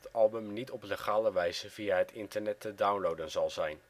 album niet op legale wijze via het internet te downloaden zal zijn